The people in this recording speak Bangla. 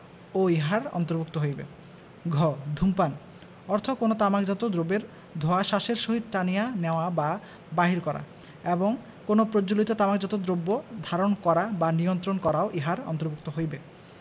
ও ইহার অন্তর্ভুক্ত হইবে ঘ ধূমপান অর্থ কোন তামাকজাত দ্রব্যের ধোঁয়া শ্বাসের সহিত টানিয়া নেওয়া বা বাহির করা এবং কোন প্রজ্বলিত তামাকজাত দ্রব্য ধারণ করা বা নিয়ন্ত্রণ করাও ইহার অন্তর্ভুক্ত হইবে